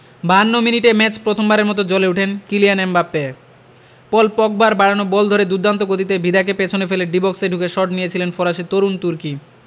৫২ মিনিটে ম্যাচ প্রথমবারের মতো জ্বলে উঠেন কিলিয়ান এমবাপ্পে পল পগবার বাড়ানো বল ধরে দুর্দান্ত গতিতে ভিদাকে পেছনে ফেলে ডি বক্সে ঢুকে শট নিয়েছিলেন ফরাসি তরুণ তুর্কি